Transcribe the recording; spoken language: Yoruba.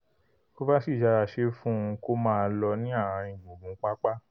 Kovacic yára ṣe fún-un-kó-máa-lọ ní ààrin-gùngùn pápá.